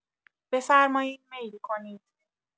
بفرمایین میل کنید.